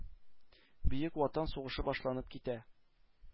Бөек Ватан сугышы башланып китә.